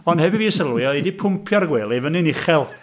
Ond heb i fi sylwi, oedd hi 'di pwmpio'r gwely fyny'n uchel.